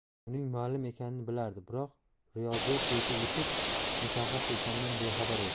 uning muallim ekanini bilardi biroq riyoziyot bo'yicha yetuk mutaxassis ekanidan bexabar edi